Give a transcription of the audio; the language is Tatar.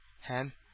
Һәм